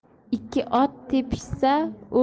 ikki ot tepishsa